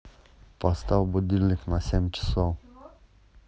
поставь будильник на семь часов